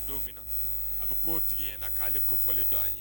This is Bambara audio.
Don min a bɛ ko tigi k'aale kofɔlen don a ye